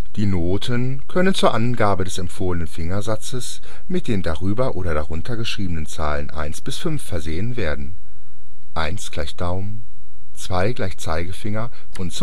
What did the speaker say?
Die Noten können zur Angabe des empfohlenen Fingersatzes mit den darüber oder darunter geschriebenen Zahlen 1 bis 5 versehen werden (1 = Daumen, 2 = Zeigefinger usw.